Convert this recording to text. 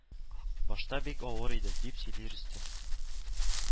Башта бик авыр иде, дип сөйли Рөстәм